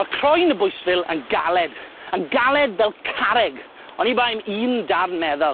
O'dd croen y bwysfil yn galed, yn galed fel carreg, oni bai am un darn meddal.